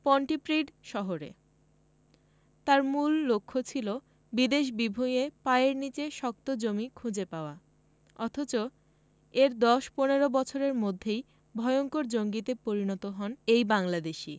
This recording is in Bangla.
পন্টিপ্রিড শহরে তাঁর মূল লক্ষ্য ছিল বিদেশ বিভুঁইয়ে পায়ের নিচে শক্ত জমি খুঁজে পাওয়া অথচ এর ১০ ১৫ বছরের মধ্যেই ভয়ংকর জঙ্গিতে পরিণত হন এই বাংলাদেশি